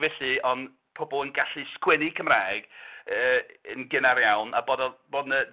Felly oedd pobl yn gallu sgwennu Cymraeg, yy yn gynnar iawn a bod o, bod 'na